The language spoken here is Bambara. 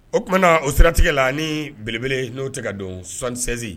O tumaumana o siratigɛ la ni beleb n'o tɛ ka don sonsensin